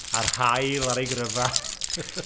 A'r haul ar ei gryfa .